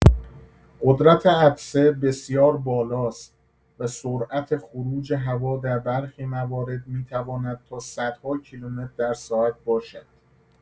قدرت عطسه بسیار بالاست و سرعت خروج هوا در برخی موارد می‌تواند تا صدها کیلومتر در ساعت برسد.